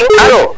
alo